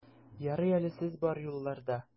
Ярый әле сез бар юлларда!